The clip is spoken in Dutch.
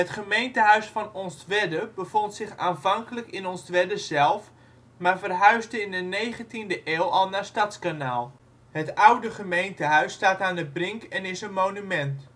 gemeentehuis van Onstwedde bevond zich aanvankelijk in Onstwedde zelf, maar verhuisde in de 19e eeuw al naar Stadskanaal. Het oude gemeentehuis staat aan de Brink en is een monument